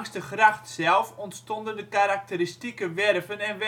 de gracht zelf ontstonden de karakteristieke werven en